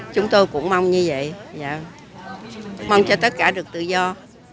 chúng tôi cũng mong như vậy dạ mong cho tất cả được tự do